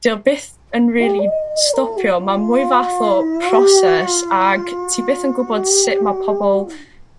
'di o byth yn rili stopio ma'n mwy fath o proses ag ti byth yn gwbod sut ma' pobol